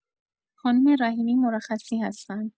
خانم رحیمی مرخصی هستن